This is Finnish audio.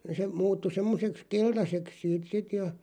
se muuttui semmoiseksi keltaiseksi siitä sitten ja